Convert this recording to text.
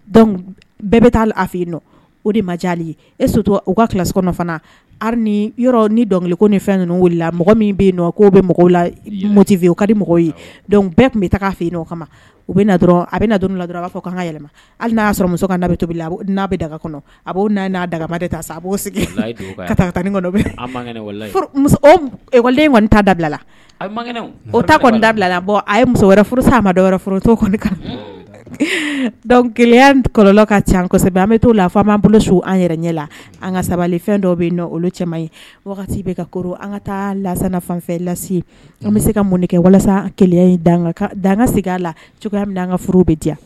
Bɛɛ bɛ taa a fɛ nɔ o de ma diya e so to u ka kilasi fana yɔrɔ ni dɔnkiliko ni fɛn ninnu wili mɔgɔ min bɛ nɔ k'o bɛ mɔgɔw la motivyewu ka di mɔgɔw ye dɔnku bɛɛ tun bɛ taa' fɛ yen nɔ o kama u bɛ dɔrɔn a bɛ don la dɔrɔn b'a fɔ' ka yɛlɛma hali n''a sɔrɔ muso kan' bɛ tobi la n'a bɛ daga kɔnɔ a' n'a dagaba de ta sa a b'o sigi ka taa kɔnɔlen kɔni ta dabilala kɔni dabila la a ye muso wɛrɛ sa a ma dɔw wɛrɛ kan kelen kɔlɔ ka casɛbɛ an bɛ to la fɔ an' bolo so an yɛrɛ ɲɛ la an ka sabali fɛn dɔ bɛ olu cɛ ye bɛ ka koro an ka taa la fanfɛ lase an bɛ se ka mun kɛ walasa ke sigi a la bɛ an ka furu bɛ diya